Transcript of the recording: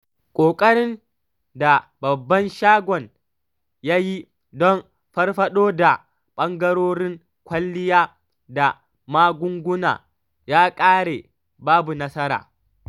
Ƙoƙarin da babban shagon ya yi don farfaɗo da ɓangarorin kwalliya da magunguna ya ƙare babu nasara.